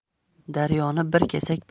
daryoni bir kesak